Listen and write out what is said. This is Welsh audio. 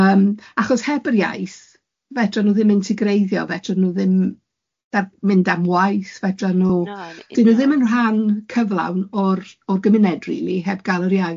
Yym achos heb yr iaith fedran nhw ddim mynd integreiddio, fedran nhw ddim dar- mynd am waith fedran nhw... Na na. ...dydyn nhw ddim yn rhan cyflawn o'r o'r gymuned rili heb gael yr iaith.